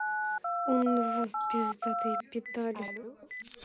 уннв пиздатые педали